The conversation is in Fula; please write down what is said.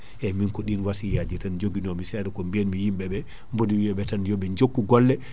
eyyi min ko ɗin wassiyaji tan jooguinomi seeɗa ko biyatmi yimɓeɓe boɗo wiyaɓe tan yooɓe jokku golle